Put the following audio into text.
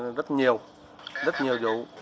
rất nhiều rất nhiều vụ